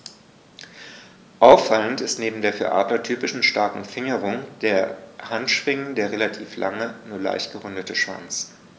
Auffallend ist neben der für Adler typischen starken Fingerung der Handschwingen der relativ lange, nur leicht gerundete Schwanz.